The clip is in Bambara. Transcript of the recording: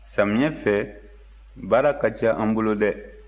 samiyɛ fɛ baara ka ca an bolo dɛ